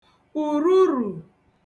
ùrurù